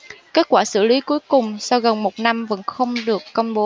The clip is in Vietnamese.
kết quả xử lý cuối cùng sau gần một năm vẫn không được công bố